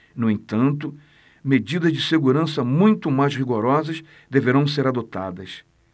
no entanto medidas de segurança muito mais rigorosas deverão ser adotadas